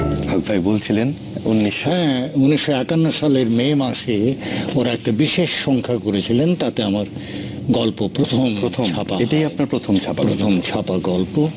হক ভাই বলছিলেন ১৯৫১ সালের মে মাসে ওরা একটা বিশেষ সংখ্যা করেছিলেন তাতে আমার গল্প প্রথম প্রথম ছাপা এটাই আপনার প্রথম ছাপা গল্প